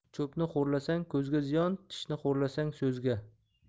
cho'pni xo'rlasang ko'zga ziyon tishni xo'rlasang so'zga